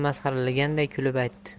masxaralaganday kulib aytdi